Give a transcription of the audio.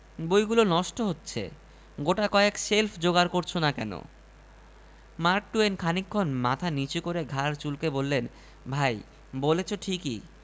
আজ তোমাকে দেখাইলাম তাতেই এত কাণ্ড আর বাকী সাত কলা দেখাইলে কি যে হইত বুঝিতেই পার রহিম বলিল দোহাই তোমার আর সাত কলার ভয় দেখাইও না